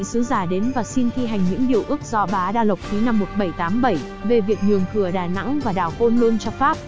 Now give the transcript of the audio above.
vị sứ giả đến và xin thi hành những điều ước do bá đa lộc ký năm về việc nhường cửa đà nẵng và đảo côn lôn cho pháp